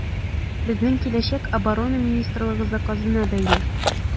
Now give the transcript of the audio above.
Безнең киләчәк Оборона министрлыгы заказына бәйле.